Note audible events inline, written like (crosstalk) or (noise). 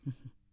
(hesitation) (hesitation)